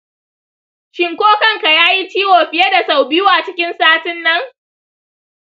shin ko kanka yayi ciwo fiye da sau biyu a cikin satinnan?